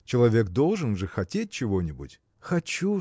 Человек должен же хотеть чего-нибудь? – Хочу